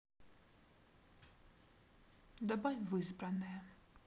добавить в избранное